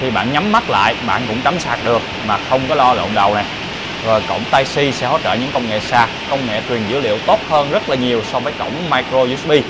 bạn nhắm mắt lại bạn vẫn cắm sạc được mà không phải lo cắm lộn đầu cổng typec sẽ hỗ trợ những công nghệ sạc công nghệ truyền dữ liệu tốt hơn rất nhiều so với cổng microusb